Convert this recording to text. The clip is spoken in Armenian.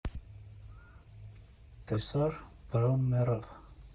Տեսա՞ր, Բրոն մեռավ։